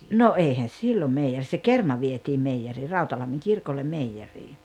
no eihän silloin meijeri se kerma vietiin meijeriin Rautalammin kirkolle meijeriin